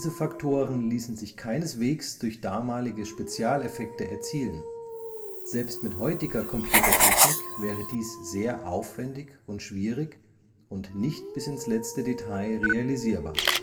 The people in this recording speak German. Faktoren ließen sich keineswegs durch damalige Spezialeffekte erzielen, selbst mit heutiger Computertechnik wäre dies sehr aufwändig und schwierig und nicht bis ins letzte Detail realisierbar